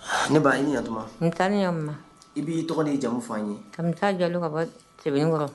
Ne ba i ni ɲatuma n taa ni ɲa i b'i tɔgɔ de jamumu' n ye ka taa jalo ka bɔ sɛbɛninkɔrɔ